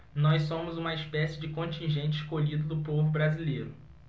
nós somos uma espécie de contingente escolhido do povo brasileiro